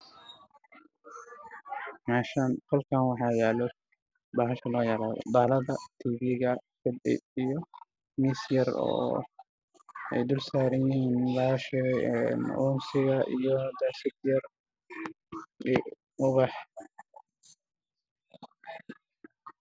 Waa qol waxaa yeelay mid u ah darbiga waxaa ku dhaqan t v midafkiisu yahay madow darbigu waa qaxwi